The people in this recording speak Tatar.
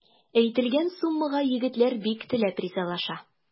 Әйтелгән суммага егетләр бик теләп ризалаша.